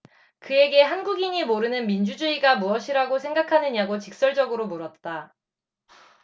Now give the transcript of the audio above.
그에게 한국인이 모르는 민주주의가 무엇이라고 생각하느냐고 직설적으로 물었다